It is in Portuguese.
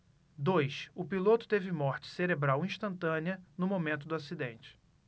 dois o piloto teve morte cerebral instantânea no momento do acidente